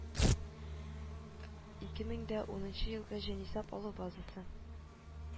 Ике мең унынчы елгы җанисәп алу базасы